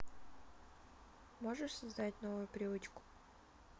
можешь создать новую привычку